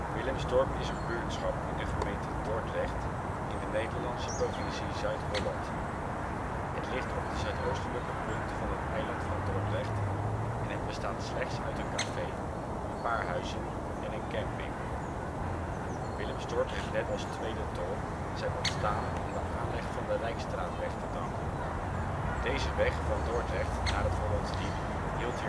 Willemsdorp is een buurtschap in de gemeente Dordrecht, in de Nederlandse provincie Zuid-Holland. Het ligt op de zuidoostelijke punt van het Eiland van Dordrecht en het bestaat slechts uit een café, een paar huizen en een camping. Willemsdorp heeft net als Tweede Tol zijn ontstaan aan de aanleg van de Rijksstraatweg te danken. Deze weg van Dordrecht naar het Hollands Diep hield